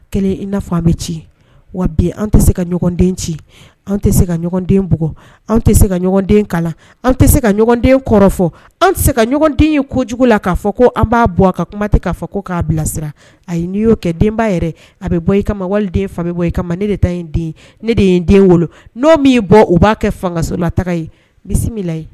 Kelen i bɛ ci wa bi an tɛ se ka ɲɔgɔn den ci an tɛ se ka ɲɔgɔn den bugɔ anw tɛ se ka ɲɔgɔn den kalan an tɛ se ka ɲɔgɔnden kɔrɔ fɔ an se ka ɲɔgɔnden ye kojugu la k'a fɔ ko an b'a bɔ a ka kuma tɛ k'a fɔ ko k'a bilasira a ye n'i y'o kɛ denbaya yɛrɛ a bɛ bɔ i kama wali den fan bɛ bɔ i kama ne de taa den ne de ye den wolo n'o mini bɔ u b'a kɛ fangasola taga ye misi ye